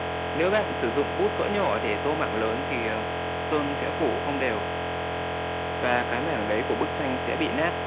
nếu bạn sử dụng bút cỡ nhỏ để tô mảng lớn thì sơn sẽ phủ không đều và cái mảng đấy của bức tranh sẽ bị nát